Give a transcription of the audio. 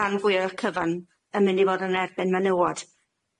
rhan fwya o'ch cyfan yn mynd i fod yn erbyn menywod.